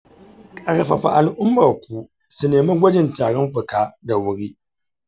ƙarfafa al'ummarku su nemi gwajin tarin fuka da wuri.